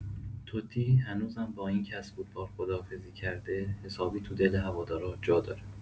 توتی هنوزم با اینکه از فوتبال خداحافظی کرده، حسابی تو دل هوادارا جا داره.